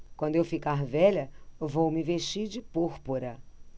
quando eu ficar velha vou me vestir de púrpura